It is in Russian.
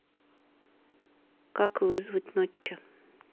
как вызвать нотча